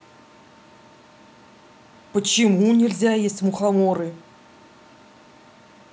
почему нельзя есть мухоморы